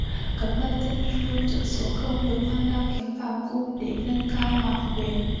cấm bậc thân vương trở xuống không được mang đao kiếm vào cung để nâng cao hoàng quyền